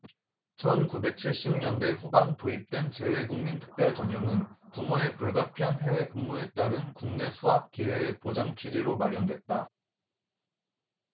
천 구백 칠십 년대 후반 도입된 재외국민 특별전형은 부모의 불가피한 해외 근무에 따른 국내 수학 기회의 보상 취지로 마련됐다